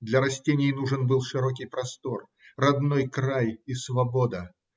Для растений нужен был широкий простор, родной край и свобода.